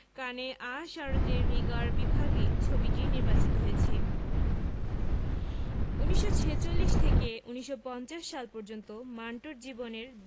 কানে un certain regard বিভাগে ছবিটি নির্বাচিত হয়েছে ১৯৪৬ থেকে ১৯৫০ সাল পর্যন্ত মান্টোর জীবনের